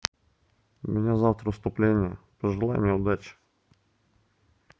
у меня завтра выступление пожелай мне удачи